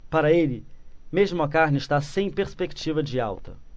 para ele mesmo a carne está sem perspectiva de alta